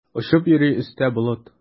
Очып йөри өстә болыт.